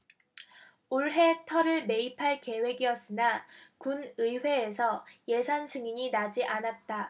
올해 터를 매입할 계획이었으나 군의회에서 예산 승인이 나지 않았다